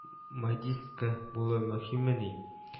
Модистка булуы мөһиммени